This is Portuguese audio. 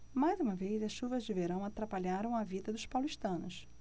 mais uma vez as chuvas de verão atrapalharam a vida dos paulistanos